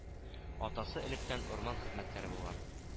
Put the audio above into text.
Атасы электә урман хезмәткәре булган